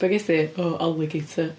Be gest ti? O alligator.